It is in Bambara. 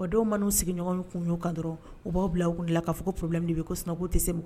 Wadenw minnu'u sigiɲɔgɔn kun'u kan dɔrɔn u b'aw bilakun dilan la k'a fɔ porobi min bɛ yen ko sunɔgɔ tɛ se segu